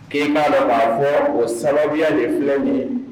Ke b'a la b'a fɔ o sababu ye filɛ ye